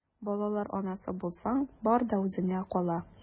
Балалар анасы булсаң, бар да үзеңә кала...